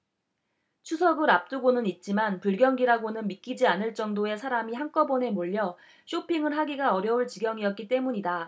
추석을 앞두고는 있지만 불경기라고는 믿기지 않을 정도의 사람이 한꺼번에 몰려 쇼핑을 하기가 어려울 지경이었기 때문이다